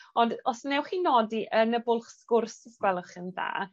Ond os newch chi nodi yn y bwlch sgwrs os gwelwch yn dda,